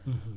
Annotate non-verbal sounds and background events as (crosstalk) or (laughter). (hesitation) (hesitation)